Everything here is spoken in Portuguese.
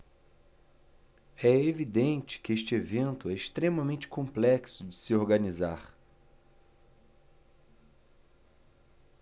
é evidente que este evento é extremamente complexo de se organizar